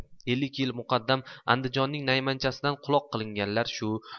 ellik yil muqaddam andijonning naymanchasidan quloq qilinganlar shu